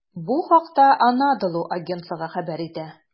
Бу хакта "Анадолу" агентлыгы хәбәр итә.